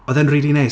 Oedd e'n rili neis.